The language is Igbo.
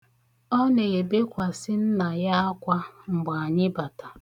Ọ na-ebekwasị nna ya akwa mgbe anyị bata.